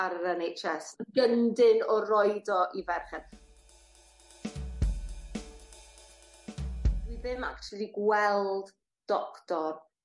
ar yr En Heitch Ess. Gyndyn o roid o i ferched. Dwi ddim actually gweld doctor